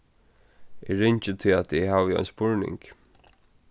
eg ringi tí at eg havi ein spurning